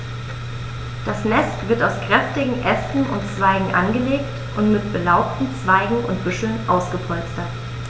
Das Nest wird aus kräftigen Ästen und Zweigen angelegt und mit belaubten Zweigen und Büscheln ausgepolstert.